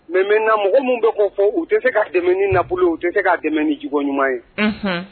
Mɛ min na mɔgɔ minnu bɛ ko fɔ u tɛ se ka dɛmɛ ni nabolo u tɛ se ka dɛmɛ ni j ɲuman ye